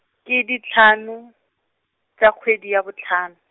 ke di hlano, tša kgwedi ya bohlano.